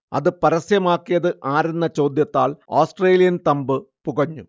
അത് പരസ്യമാക്കിയത് ആരെന്ന ചോദ്യത്താൽ ഓസ്ട്രേലിയൻ തമ്പ് പുകഞ്ഞു